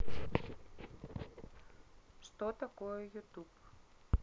что такое ютуб